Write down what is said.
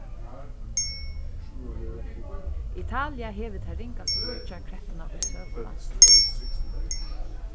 italia hevur ta ringastu fíggjarkreppuna í søgu landsins